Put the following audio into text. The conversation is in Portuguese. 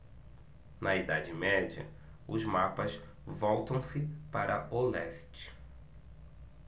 na idade média os mapas voltam-se para o leste